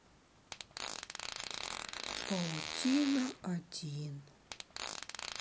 паутина один